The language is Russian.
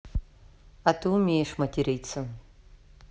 а ты умеешь материться